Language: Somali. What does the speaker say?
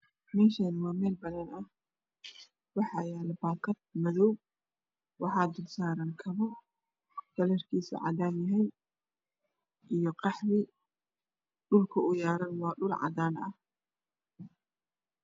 Meshan waa mel banan ah waxa yalo bakad oo madow ah waxa dulsaran kobo kalrkoda waa cadan io qahwi dhulkan waa cadan